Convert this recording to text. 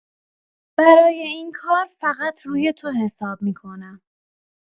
برای این کار فقط روی تو حساب می‌کنم.